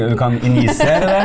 du kan injisere det.